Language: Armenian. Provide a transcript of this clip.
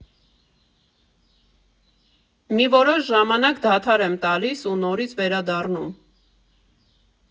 Մի որոշ ժամանակ դադար եմ տալիս ու նորից վերադառնում։